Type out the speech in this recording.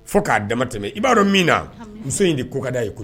Fo ka dama tɛmɛ i ba dɔn min na muso in de ko ka da ye koyi